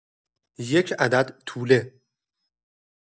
یک عدد توله